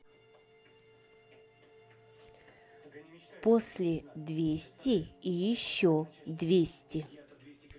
после двести и еще двести